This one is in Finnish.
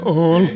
oli